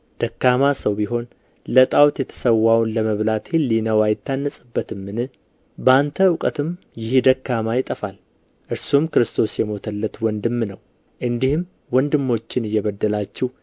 ደካማ ሰው ቢሆን ለጣዖት የተሠዋውን ለመብላት ሕሊናው አይታነጽበትምን በአንተ እውቀትም ይህ ደካማ ይጠፋል እርሱም ክርስቶስ የሞተለት ወንድም ነው እንዲህም ወንድሞችን እየበደላችሁ